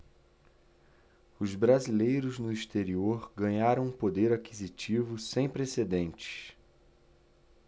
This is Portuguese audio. os brasileiros no exterior ganharam um poder aquisitivo sem precedentes